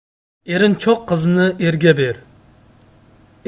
erinchoq qizni erga ber